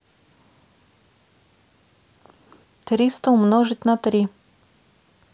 триста умножить на три